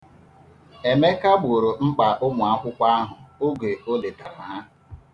Emeka gboro mkpa ụmụ akwụkwọ ahụ oge o letera ha.